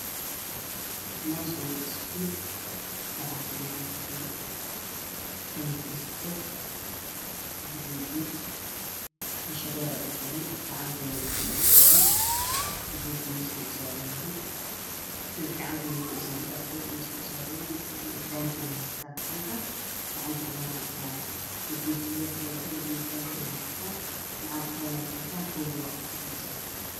Meeshan waa iskuul waxaa fadhiyo arday sadex ah sadexdooda mid indha shareeraa u xiran gacanteedaa wajiga usaaran buuga miiskuu usaranyahay mid gacanta miiskey usarantahay buuga miiskuu usaaranyahay mid dankey haysataa gacanta cilanaa usaaran midna soo kaleeto daganka gacanta usaran qaliney haysataa buugey wax ku qoraysaa